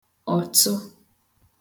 ọ̀tụ